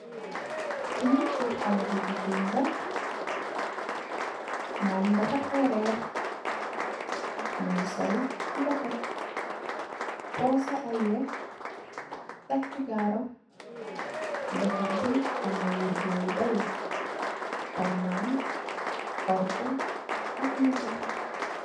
Li ap khaleh bu gigeen mum dafa khereer munge sul leket puseh weeh ak sul jarrow leket amna lu xong ku